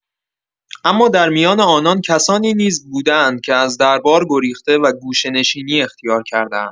اما در میان آنان کسانی نیز بوده‌اند که از دربار گریخته و گوشه‌نشینی اختیار کرده‌اند.